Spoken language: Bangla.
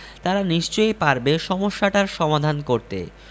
তারা নিশ্চয়ই পারবে সমস্যাটার সমাধান করতে